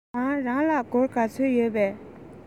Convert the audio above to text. ཞའོ ཧྥང རང ལ སྒོར ག ཚོད ཡོད པས